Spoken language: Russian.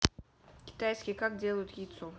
китайский как делают яйцо